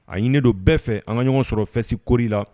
A ɲini don bɛɛ fɛ an ka ɲɔgɔn sɔrɔ fɛsi kori la